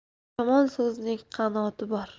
yomon so'zning qanoti bor